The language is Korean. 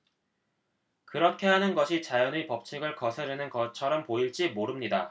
그렇게 하는 것이 자연의 법칙을 거스르는 것처럼 보일지 모릅니다